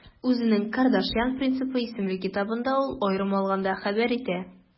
Үзенең «Кардашьян принципы» исемле китабында ул, аерым алганда, хәбәр итә: